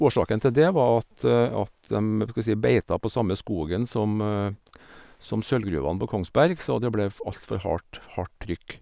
Årsaken til det var at at dem, du kan si, beita på samme skogen som som sølvgruvene på Kongsberg, så det ble f altfor hardt hardt trykk.